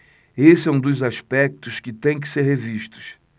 esse é um dos aspectos que têm que ser revistos